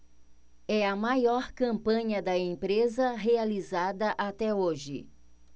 é a maior campanha da empresa realizada até hoje